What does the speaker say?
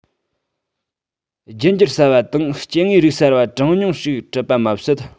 རྒྱུད འགྱུར གསར པ དང སྐྱེ དངོས རིགས གསར པ གྲངས ཉུང ཞིག གྲུབ པ མ ཟད